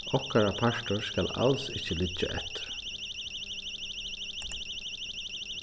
okkara partur skal als ikki liggja eftir